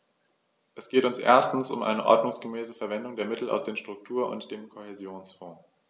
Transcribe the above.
Es geht uns erstens um eine ordnungsgemäße Verwendung der Mittel aus den Struktur- und dem Kohäsionsfonds.